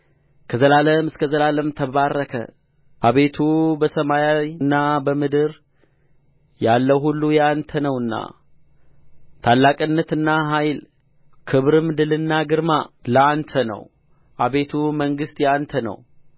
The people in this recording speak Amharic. ከዘላለም እስከ ዘላለም ተባረክ አቤቱ በሰማይና በምድር ያለው ሁሉ የአንተ ነውና ታላቅነትና ኃይል ክብርም ድልና ግርማ ለአንተ ነው አቤቱ መንግሥት የአንተ ነው